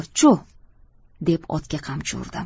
chuh deb otga qamchi urdim